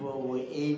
ngồi yên